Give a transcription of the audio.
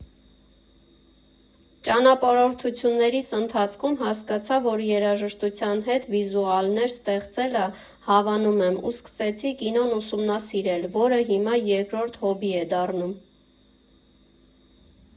Ճանապարհորդություններիս ընթացքում հասկացա, որ երաժշտության հետ վիզուալներ ստեղծելը հավանում եմ ու սկսեցի կինոն ուսումնասիրել, որը հիմա երկրորդ հոբբի է դառնում։